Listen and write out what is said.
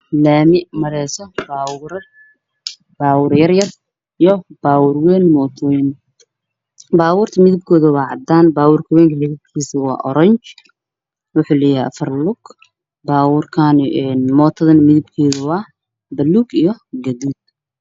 Waa laami waxaa maraayo baabuuro kuwo yaryar iyo baabuuro waaweyn baabuurta waa cadaan, baabuurka wayn midabkiisu waa oranji waxuu leeyahay afar lug, mootada midabkeedu waa buluug iyo gaduud.